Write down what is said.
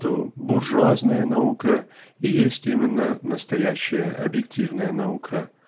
что "буржуазная" наука и есть именно настоящая объективная наука